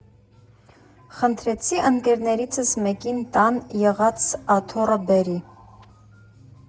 Խնդրեցի ընկերներիցս մեկին տան եղած աթոռը բերի։